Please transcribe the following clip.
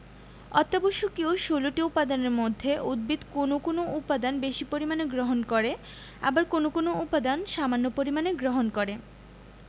অত্যাবশ্যকীয় ১৬ টি উপাদানের মধ্যে উদ্ভিদ কোনো কোনো উপাদান বেশি পরিমাণে গ্রহণ করে আবার কোনো কোনো উপাদান সামান্য পরিমাণে গ্রহণ করে